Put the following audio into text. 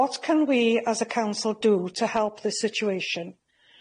What can we as a council do to help this situation?